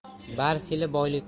bars yili boylik